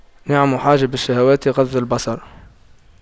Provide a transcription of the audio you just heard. نعم حاجب الشهوات غض البصر